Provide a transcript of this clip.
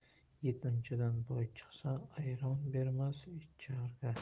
yetimchadan boy chiqsa ayron bermas icharga